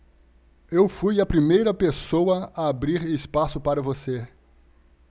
eu fui a primeira pessoa a abrir espaço para você